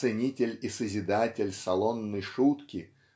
ценитель и созидатель салонной шутки